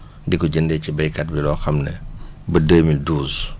di ko jëndee ci béykat bi loo xam ne ba 2012